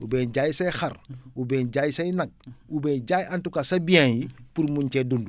oubien jaay say xar oubien jaay say nag oubien jaay en tout cas sa biens yi pour mun cee dund